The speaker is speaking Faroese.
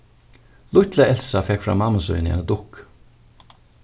lítla elsa fekk frá mammu síni eina dukku